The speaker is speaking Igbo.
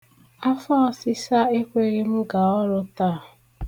Afọọ̀sịsa ekweghị m gaa ọrụ taa.